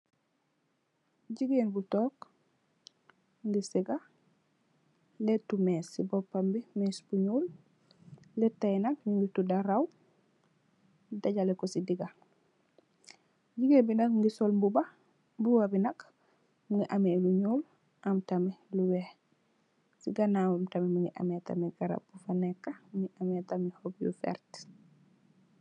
Jegain bu tonke muge sega letou mess se bopam be mess bu nuul leta ye muge tuda raw dajaleku se dega jegain be nak muge sol muba muba be nak muge ameh lu nuul am tamin lu weex se ganawam tamin muge ameh garab buneka muge ameh tamin xopp bu verta.